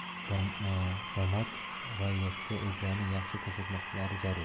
domod raiyyatga o'zlarini yaxshi ko'rsatmoqlari zarur